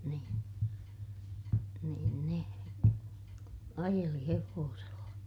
niin niin ne ajeli hevosella